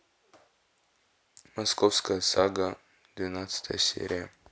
московская сага двенадцатая серия